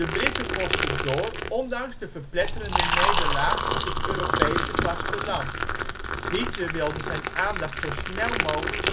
Britten vochten door ondanks de verpletterende nederlaag op het Europese vasteland. Hitler wilde zijn aandacht zo snel mogelijk